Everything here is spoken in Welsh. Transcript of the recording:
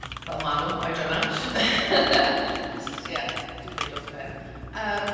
Fel maen nhw oedran 'na . Jyst ie duvet dros y pen, yym.